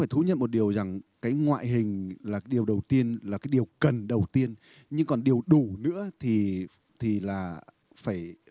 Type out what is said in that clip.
phải thú nhận một điều rằng cái ngoại hình là kế điều đầu tiên là kế điều cần đầu tiên nhưng còn điều đủ nữa thì thì là phải